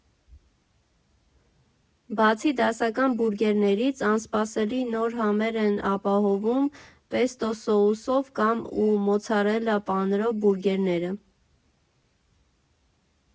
Բացի դասական բուրգերներից, անսպասելի նոր համեր են ապահովում պեստո սոուսով կամ ու մոցարելա պանրով բուրգերները։